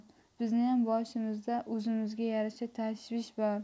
bizniyam boshimizda o'zimizga yarasha tashvish bor